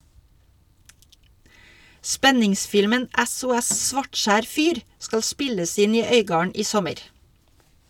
Spenningsfilmen "SOS - Svartskjær fyr" skal spilles inn i Øygarden i sommer.